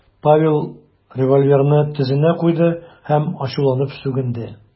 Павел револьверны тезенә куйды һәм ачуланып сүгенде .